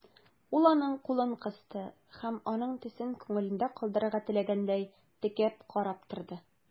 Ул аның кулын кысты һәм, аның төсен күңелендә калдырырга теләгәндәй, текәп карап торды.